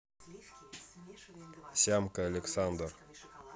сямко александр